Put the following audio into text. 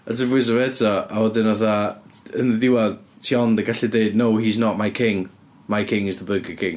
A ti'n pwyso fo eto, a wedyn fatha t- yn y diwedd, ti ond yn gallu deud, no he's not my king, my king is the Burger King.